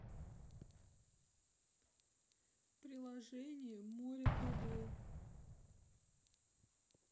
приложение море тв